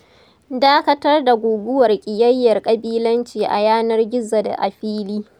Karanta cigaba: Nijeriya: Dakatar da guguwar ƙiyayyar ƙabilanci - a yanar gizo da a fili